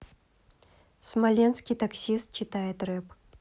смоленский таксист читает рэп